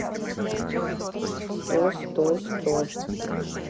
сто сто сто